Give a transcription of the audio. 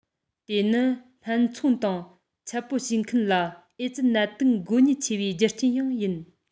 དེ ནི སྨད འཚོང དང འཆལ པོ བྱེད མཁན ལ ཨེ ཙི ནད དུག འགོ ཉེན ཆེ བའི རྒྱུ རྐྱེན ཡང ཡིན